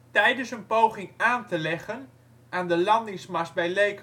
Tijdens een poging aan te leggen aan de landingsmast bij Lakehurst